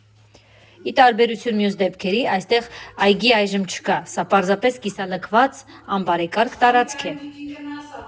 Ի տարբերություն մյուս դեպքերի, այստեղ այգի այժմ չկա, սա պարզապես կիսալքված անբարեկարգ տարածք է։